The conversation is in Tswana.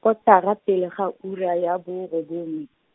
kotara pele ga ura ya bo robongwe.